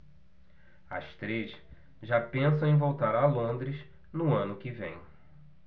as três já pensam em voltar a londres no ano que vem